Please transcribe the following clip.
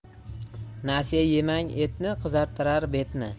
nasiya yemang etni qizartirar betni